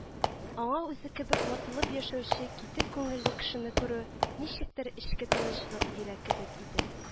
Аңа үзе кебек ватылып яшәүче китек күңелле кешене күрү ничектер эчке тынычлык бирә кебек иде